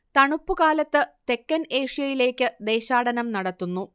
തണുപ്പുകാലത്ത് തെക്കൻ ഏഷ്യയിലേക്ക് ദേശാടനം നടത്തുന്നു